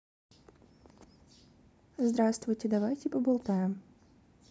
здравствуйте давайте поболтаем